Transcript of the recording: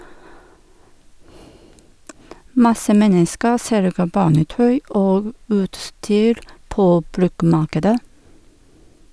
Masse mennesker selger barnetøy og - utstyr på bruktmarkedet.